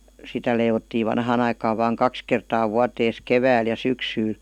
sitä leivottiin vanhaan aikaan vain kaksi kertaa vuoteensa keväällä ja syksyllä